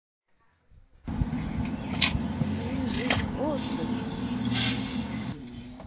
геленджик отдых